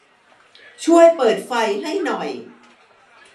ช่วยเปิดไฟให้หน่อย